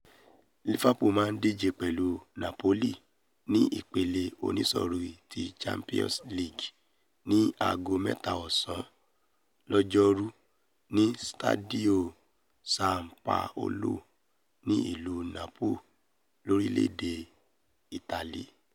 Liverpool máa díje pẹ̀lú Napoli ní ìpele oníṣọ̀rí ti Champions Líìgì ní aago mẹ́ta ọ̀sán lọ́jọ́ rú ní Stadio San Paolo ni ìlú Naples, lórílẹ̀-èdè Ítálì.